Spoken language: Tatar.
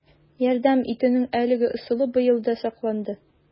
Ярдәм итүнең әлеге ысулы быел да сакланды: